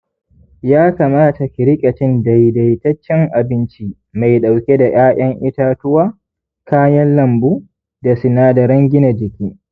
ya kamata ki riƙa cin daidaitaccen abinci mai ɗauke da ‘ya’yan itatuwa, kayan lambu, da sinadaran gina jiki.